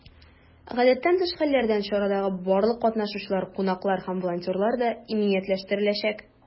Гадәттән тыш хәлләрдән чарадагы барлык катнашучылар, кунаклар һәм волонтерлар да иминиятләштереләчәк.